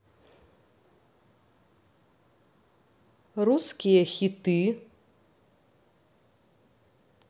русские хиты